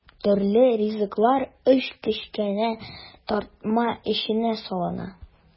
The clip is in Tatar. Төрле ризыклар өч кечкенә тартма эченә салына.